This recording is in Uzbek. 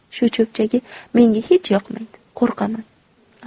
shu cho'pchagi menga hech yoqmaydi qo'rqaman